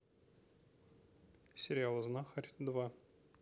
сериал знахарь два